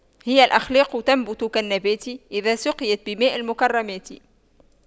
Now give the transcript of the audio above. هي الأخلاق تنبت كالنبات إذا سقيت بماء المكرمات